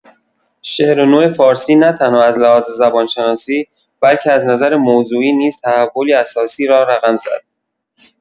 شعر نو فارسی نه‌تنها از لحاظ زبان‌شناسی، بلکه از نظر موضوعی نیز تحولی اساسی را رقم زد.